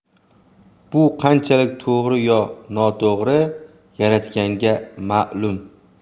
bu qanchalik to'g'ri yo noto'g'ri yaratganga ma'lum